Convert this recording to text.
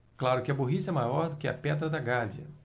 claro que a burrice é maior do que a pedra da gávea